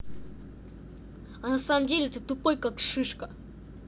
а на самом деле ты тупой как шишка